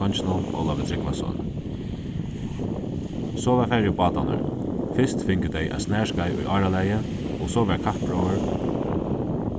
konginum ólavi trygvasoni so varð farið í bátarnar fyrst fingu tey eitt snarskeið í áralagi og so varð kappróður